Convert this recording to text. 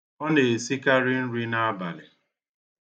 Ọ na-esikarị nri n'abali.